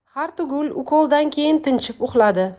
hartugul ukoldan keyin tinchib uxladi